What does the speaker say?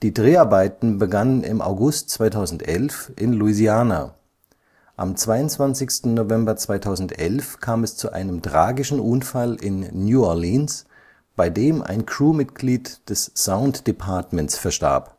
Dreharbeiten begannen im August 2011 in Louisiana. Am 22. November 2011 kam es zu einem tragischen Unfall in New Orleans, bei dem ein Crewmitglied des Sounddepartements verstarb